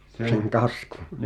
sen kaskun